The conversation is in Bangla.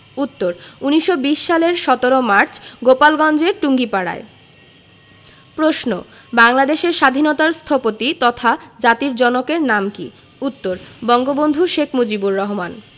উত্তর ১৯২০ সালের ১৭ মার্চ গোপালগঞ্জের টুঙ্গিপাড়ায় প্রশ্ন বাংলাদেশের স্বাধীনতার স্থপতি তথা জাতির জনকের নাম কী উত্তর বঙ্গবন্ধু শেখ মুজিবুর রহমান